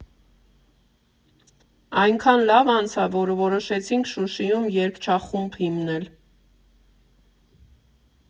Այնքան լավ անցավ, որ որոշեցինք Շուշիում երգչախումբ հիմնել։